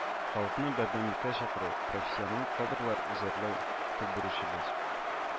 Халыкны бердәмлеккә чакыру, профессионал кадрлар әзерләү төп бурычыбыз